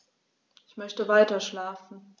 Ich möchte weiterschlafen.